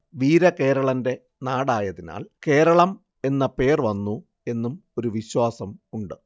വീരകേരളന്റെ നാടായതിനാൽ കേരളം എന്ന പേർ വന്നു എന്നും ഒരു വിശ്വാസം ഉണ്ട്